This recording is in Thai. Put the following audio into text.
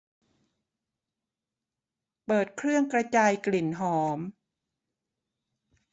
เปิดเครื่องกระจายกลิ่นหอม